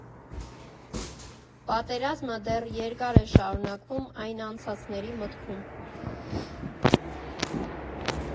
Պատերազմը դեռ երկար է շարունակվում այն անցածների մտքում.